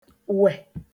wè